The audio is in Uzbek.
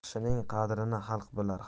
baxshining qadrini xalq bilar